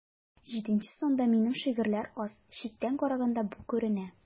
Җиденче санда минем шигырьләр аз, читтән караганда бу күренә.